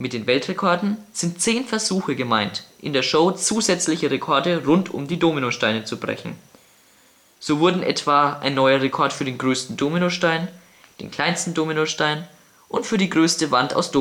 den Weltrekorden sind zehn Versuche gemeint, in der Show zusätzliche Rekorde rund um die Dominosteine zu brechen. So wurden etwa ein neuer Rekord für den größten Dominostein, den kleinsten Dominostein und für die größte Wand aus